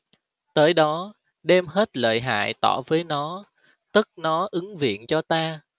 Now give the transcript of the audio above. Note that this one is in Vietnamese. tới đó đem hết lợi hại tỏ với nó tất nó ứng viện cho ta